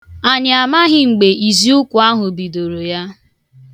Anyị amaghị mgbe iziụkwụ ahụ bidoro ya.